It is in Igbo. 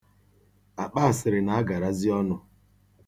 Akpaasịrị na-agarazị ọnụ ugbu a.